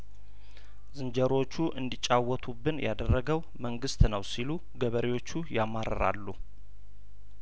ዝንጀሮዎቹ እንዲጫወቱብን ያደረገው መንግስት ነው ሲሉ ገበሬዎቹ ያማርራሉ